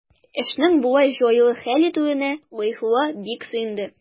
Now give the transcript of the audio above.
Эшнең болай җайлы хәл ителүенә Гайфулла бик сөенде.